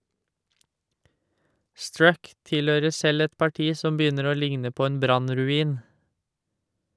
Struck tilhører selv et parti som begynner å ligne på en brannruin.